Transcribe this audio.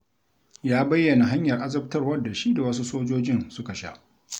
Ya bayyana hanyar azabtarwar da shi da wasu sojojin suka sha: